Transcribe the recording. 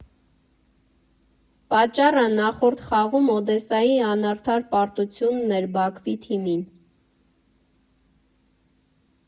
Պատճառը նախորդ խաղում Օդեսայի անարդար պարտությունն էր Բաքվի թիմին։